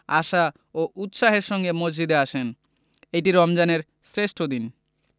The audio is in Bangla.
আশা ও উৎসাহের সঙ্গে মসজিদে আসেন এটি রমজানের শ্রেষ্ঠ দিন